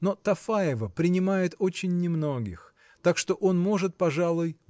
– но Тафаева принимает очень немногих так что он может пожалуй